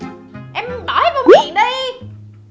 em bỏ hết vô miệng đi